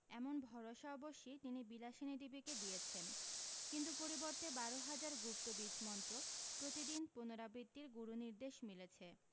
এমন ভরসা অবশ্যি তিনি বিলাসিনী দেবীকে দিয়েছেন কিন্তু পরিবর্তে বারো হাজার গুপ্ত বীজমন্ত্র প্রতিদিন পুনরাবৃত্তির গুরুনির্দেশ মিলেছে